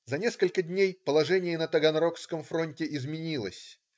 За несколько дней положение на Таганрогском фронте изменилось.